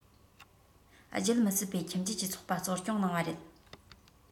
བརྗེད མི སྲིད པའི ཁྱིམ རྒྱུད ཀྱི ཚོགས པ གཙོ སྐྱོང གནང བ རེད